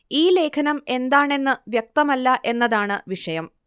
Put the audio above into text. ഈ ലേഖനം എന്താണെന്ന് വ്യക്തമല്ല എന്നതാണ് വിഷയം